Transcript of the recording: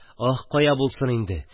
Аһ, кая булсын инде!